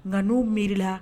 Nka n'u mirila